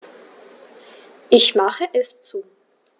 Ich mache es zu.